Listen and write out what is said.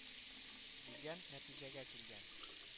Дигән нәтиҗәгә килгән